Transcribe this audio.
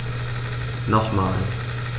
Nochmal.